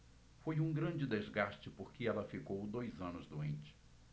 foi um grande desgaste porque ela ficou dois anos doente